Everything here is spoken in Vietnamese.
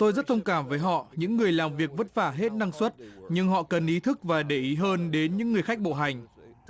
tôi rất thông cảm với họ những người làm việc vất vả hết năng suất nhưng họ cần ý thức và để ý hơn đến những người khách bộ hành